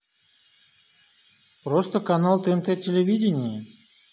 просто канал тнт телевидение